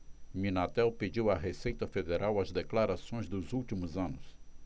minatel pediu à receita federal as declarações dos últimos anos